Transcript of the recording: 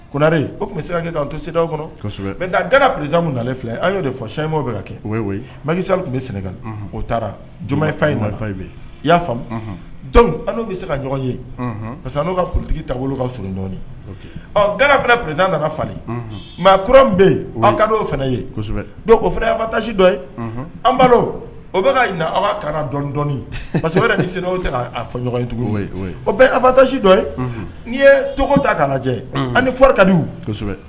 Konare o tun bɛ se kɛ kan to se kɔnɔ g prezmu nalen fila y'o fɔ samaw bɛ ka kɛ maki sa tun bɛ sɛnɛka o taara j fa ye marifa bɛ i y'a fa bɛ se ka ɲɔgɔn ye parce n'u ka kulutigi ta wolo ka surun dɔnni ɔ g bɛ perenaan nana fa maa kura bɛ yen an ka o fana yesɛbɛ o fana anfatasi dɔ an balo o bɛka ka aw ka ka dɔnsɛbɛ ni sen sea fɔ ɲɔgɔn ye tugu ye afatasi dɔ n'i ye togo ta k'a lajɛ ani fɔra ka